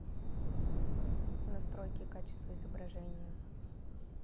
настройки качества изображения